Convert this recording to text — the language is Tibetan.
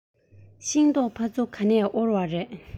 ཤིང ཏོག ཕ ཚོ ག ནས དབོར ཡོང བ རེད